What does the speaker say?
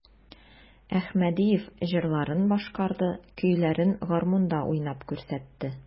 Әхмәдиев җырларын башкарды, көйләрен гармунда уйнап күрсәтте.